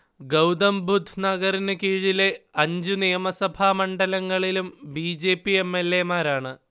ഗൗതംബുദ്ധ് നഗറിനു കീഴിലെ അഞ്ച് നിയമസഭാ മണ്ഡലങ്ങളിലും B. J. P M. L. A മാരാണ്